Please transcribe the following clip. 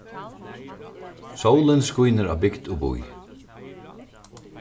sólin skínur á bygd og bý